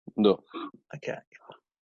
Ndw... oce